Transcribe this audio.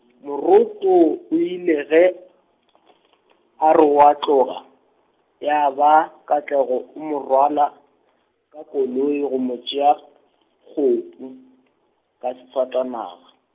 Moroko o ile ge , a re o a tloga, ya ba Katlego o mo rwala, ka koloi go mo tšea kgopu, ka sefatanaga.